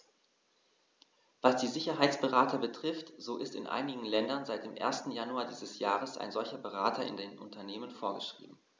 Was die Sicherheitsberater betrifft, so ist in einigen Ländern seit dem 1. Januar dieses Jahres ein solcher Berater in den Unternehmen vorgeschrieben.